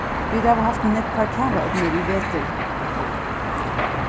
vit hava havt nógvar kavaódnir í vetur